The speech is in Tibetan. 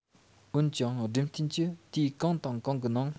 འོན ཀྱང སྦྲུམ རྟེན གྱི དུས གང དང གང གི ནང